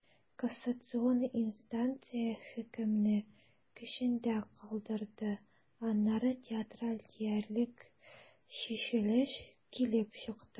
Кассацион инстанция хөкемне көчендә калдырды, аннары театраль диярлек чишелеш килеп чыкты.